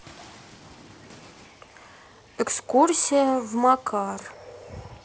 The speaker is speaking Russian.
экскурсия в макар